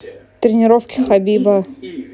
тренировки хабиба